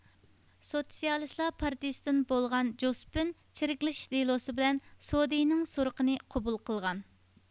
سوتسىياللار پارتىيىسىدىن بولغان جوسپىن چىرىكلىشىش دېلوسى بىلەن سودىيىنىڭ سورىقىنى قوبۇل قىلغان